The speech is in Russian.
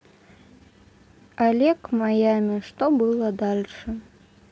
олег майами что было дальше